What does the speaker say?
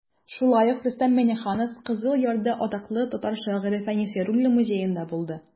Шулай ук Рөстәм Миңнеханов Кызыл Ярда атаклы татар шагыйре Фәнис Яруллин музеенда булды.